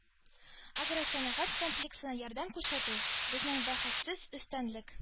“агросәнәгать комплексына ярдәм күрсәтү – безнең бәхәссез өстенлек”